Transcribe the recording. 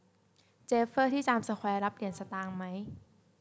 เจฟเฟอร์ที่จามสแควร์รับเหรียญสตางค์ไหม